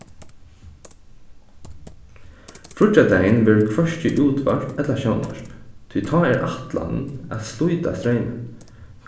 fríggjadagin verður hvørki útvarp ella sjónvarp tí tá er ætlanin at slíta streymin